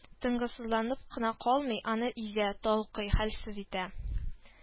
Тынгысызланып кына калмый, аны изә, талкый, хәлсез итә